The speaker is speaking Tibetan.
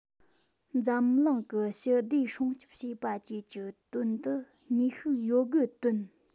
འཛམ གླིང གི ཞི བདེ སྲུང སྐྱོབ བྱེད པ བཅས ཀྱི དོན དུ ནུས ཤུགས ཡོད དགུ བཏོན